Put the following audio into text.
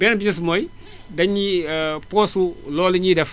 beneen bi ci des mooy dañ ni poche su loolu ñuy def